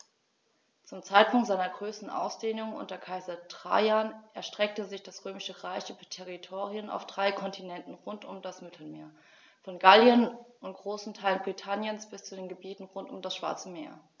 Zum Zeitpunkt seiner größten Ausdehnung unter Kaiser Trajan erstreckte sich das Römische Reich über Territorien auf drei Kontinenten rund um das Mittelmeer: Von Gallien und großen Teilen Britanniens bis zu den Gebieten rund um das Schwarze Meer.